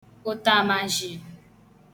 ụ̀tàmàzhị̀